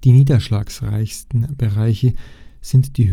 niederschlagsreichsten Bereiche sind die